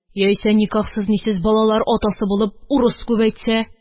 Яисә никяхсыз-нисез балалар атасы булып, урыс күбәйтсә.